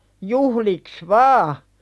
juhliksi vain